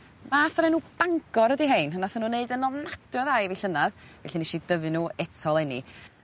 Math o'r enw Bangor ydi rhein a nathon n'w neud yn ofnadw o dda i fi llynadd felly nesh i dyfu n'w eto leni.